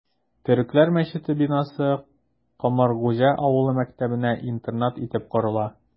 Төрекләр мәчете бинасы Комыргуҗа авылы мәктәбенә интернат итеп корыла...